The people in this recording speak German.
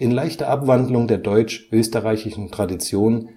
leichter Abwandlung der deutsch-österreichischen Tradition